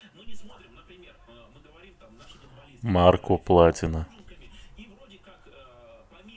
марко платина